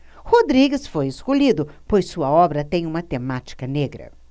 rodrigues foi escolhido pois sua obra tem uma temática negra